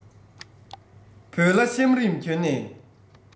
བོད ལྭ ཤམ རིང གྱོན ནས